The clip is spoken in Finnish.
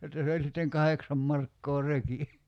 jotta se oli sitten kahdeksan markkaa reki